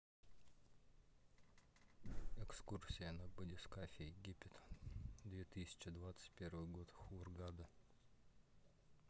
экскурсия на батискафе египет две тысячи двадцать первый год хургада